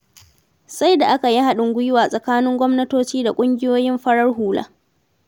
Sai da aka yi haɗin gwiwa tsakanin gwamnatoci da ƙungiyoyin farar hula.